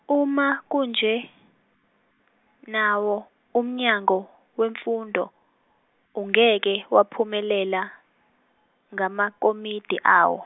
uma kunje nawo uMnyango weMfundo ungeke waphumelela ngamakomiti awo.